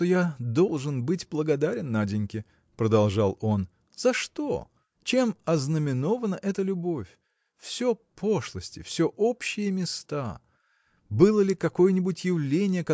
что я должен быть благодарен Наденьке – продолжал он – за что? чем ознаменована эта любовь? всё пошлости, всё общие места. Было ли какое-нибудь явление